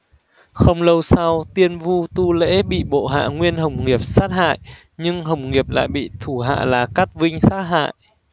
không lâu sau tiên vu tu lễ bị bộ hạ nguyên hồng nghiệp sát hại nhưng hồng nghiệp lại bị thủ hạ là cát vinh sát hại